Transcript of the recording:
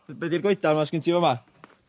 Be' 'di'r goedan 'ma sgin ti fu' 'ma?